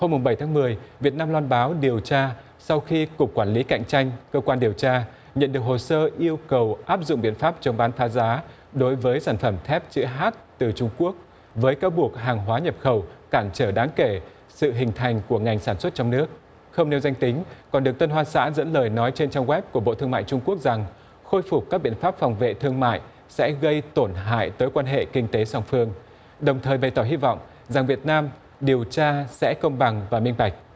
hôm mùng bảy tháng mười việt nam loan báo điều tra sau khi cục quản lý cạnh tranh cơ quan điều tra nhận được hồ sơ yêu cầu áp dụng biện pháp chống bán phá giá đối với sản phẩm thép chữ hát từ trung quốc với cáo buộc hàng hóa nhập khẩu cản trở đáng kể sự hình thành của ngành sản xuất trong nước không nêu danh tính còn được tân hoa xã dẫn lời nói trên trang quép của bộ thương mại trung quốc rằng khôi phục các biện pháp phòng vệ thương mại sẽ gây tổn hại tới quan hệ kinh tế song phương đồng thời bày tỏ hy vọng rằng việt nam điều tra sẽ công bằng và minh bạch